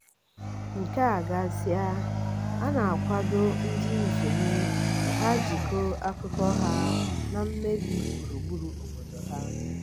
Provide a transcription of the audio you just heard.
Nke a gasịa, a na-akwado ndị nsonye ka ha jikọọ akụkọ ahụ na mmebi gburugburu obodo ha.